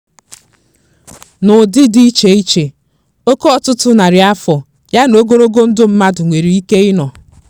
CB: N'ụdị dị iche iche, oke ọtụtụ narị afọ, ya bụ ogologo ndụ mmadụ nwere ike ị nọ.